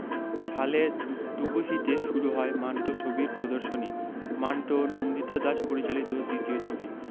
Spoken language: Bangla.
সালে দুবুসিতে শুরু হয় মান্টো ছবির প্রদর্শনী মান্টো নন্দিতা দাস পরিচালিত দ্বিতীয় ছবি